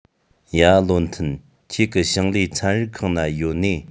ཡ བློ མཐུན ཁྱེད གེ ཞིང ལས ཚན རིག ཁང ན ཡོད ནིས